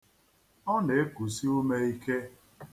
Ọ na-ekusi ume ike.